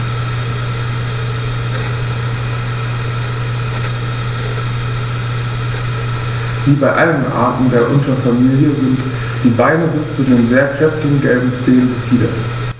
Wie bei allen Arten der Unterfamilie sind die Beine bis zu den sehr kräftigen gelben Zehen befiedert.